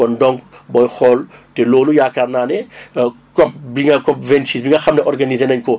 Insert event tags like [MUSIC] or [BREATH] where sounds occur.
kon donc booy xool te loolu yaakaar naa ne [BREATH] COP bi ñu naan COP 26 bi nga xam ne organiser nañ ko